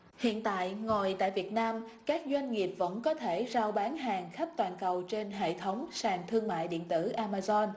hiện tại ngồi tại việt nam các doanh nghiệp vẫn có thể rao bán hàng khắp toàn cầu trên hệ thống sàn thương mại điện tử a ma don